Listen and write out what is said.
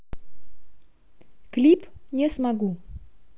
клип не смогу